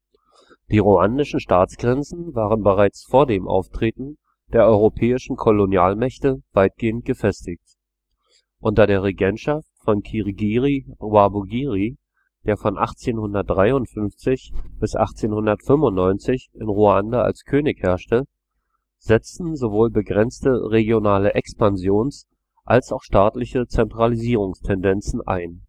Die ruandischen Staatsgrenzen waren bereits vor dem Auftreten der europäischen Kolonialmächte weitgehend gefestigt. Unter der Regentschaft von Kigeri Rwabugiri, der von 1853 bis 1895 in Ruanda als König herrschte, setzten sowohl begrenzte regionale Expansions - als auch staatliche Zentralisierungstendenzen ein